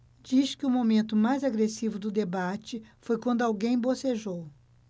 diz que o momento mais agressivo do debate foi quando alguém bocejou